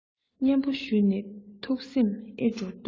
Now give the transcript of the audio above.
སྙན པོ ཞུས ནས ཐུགས སེམས ཨེ སྤྲོ ལྟོས